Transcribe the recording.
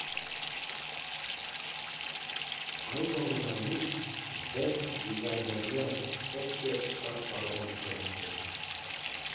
Այնուամենայնիվ, վեբ դիզայներները չպետք է շատ տարվեն դրանցով։